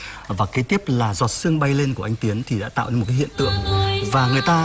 và kế tiếp là giọt sương bay lên của anh tiến thì đã tạo nên một cái hiện tượng và người ta